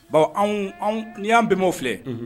Bon ni y'an bɛn filɛ